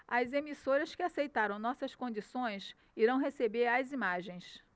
as emissoras que aceitaram nossas condições irão receber as imagens